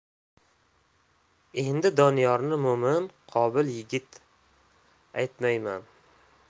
endi doniyorni mo'min qobil yigit aytmayman